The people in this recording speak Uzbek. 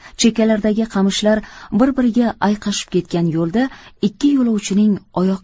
chekkalaridagi qamishlar bir biriga ayqashib ketgan yo'lda ikki yo'lovchining oyoq